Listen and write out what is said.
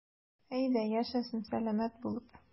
Әйдә, яшәсен сәламәт булып.